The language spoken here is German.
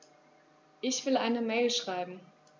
Ich will eine Mail schreiben.